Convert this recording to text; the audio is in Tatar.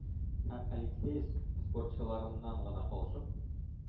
Һәм алексеевск спортчыларыннан гына калышып,